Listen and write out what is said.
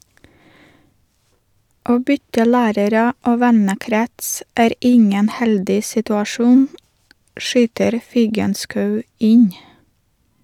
Å bytte lærere og vennekrets er ingen heldig situasjon, skyter Figenschou inn.